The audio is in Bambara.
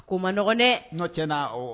Ko ma nɔgɔn ne nɔ tɛ na o